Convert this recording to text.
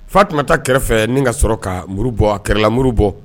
Fa tun taa kɛrɛfɛ ni ka sɔrɔ ka muru bɔ a kɛrɛlamuru bɔ